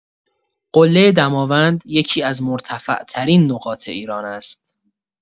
قله دماوند یکی‌از مرتفع‌ترین نقاط ایران است.